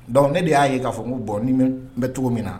Dɔnku ne de y'a ye k' fɔ n' bɔn n n bɛ cogo min na